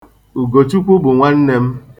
Ugochukwu bụ nwanne m.